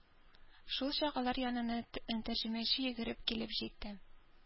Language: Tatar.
Шулчак алар янына тәрҗемәче йөгереп килеп җитте.